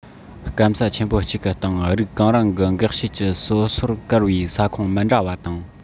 སྐམ ས ཆེན པོ གཅིག གི སྟེང རིགས གང རུང གི གེགས བྱེད ཀྱིས སོ སོར བཀར བའི ས ཁོངས མི འདྲ བ དང